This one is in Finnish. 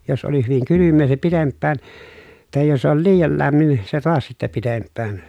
jos oli hyvin kylmää se pitempään tai jos oli liian lämmin se taas sitten pitempään